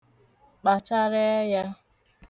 kpàchara ẹyā